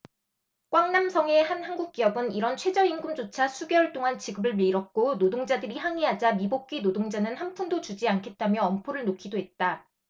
꽝남성의 한 한국기업은 이런 최저임금조차 수개월 동안 지급을 미뤘고 노동자들이 항의하자 미복귀 노동자는 한 푼도 주지 않겠다며 엄포를 놓기도 했다